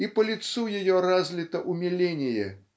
и по лицу ее разлито умиление